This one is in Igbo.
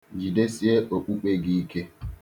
Jidesie okpukpe gi ike